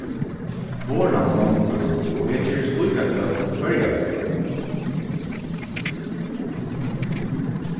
toran gongur og eg gerist líka kløkk hvørja ferð